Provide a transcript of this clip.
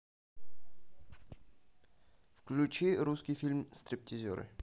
включи русский фильм стриптизеры